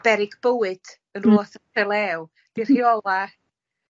beryg bywyd yn rwbath rhelew i rheola'